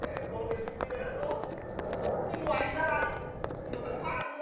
em có suy nghĩ đấy là tốt nhưng ngoài anh ra thì còn thằng phan nữa